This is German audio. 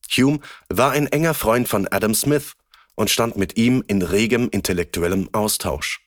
Hume war ein enger Freund Adam Smiths und stand mit ihm in regem intellektuellen Austausch